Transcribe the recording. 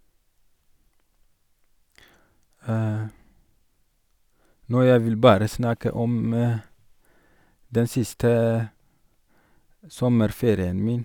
Nå jeg vil bare snakke om den siste sommerferien min.